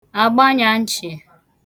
àgbanyaǹchị̀